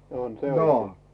on se oikein